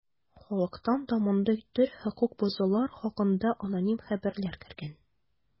Халыктан да мондый төр хокук бозулар хакында аноним хәбәрләр кергән.